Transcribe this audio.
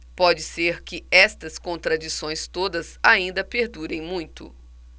pode ser que estas contradições todas ainda perdurem muito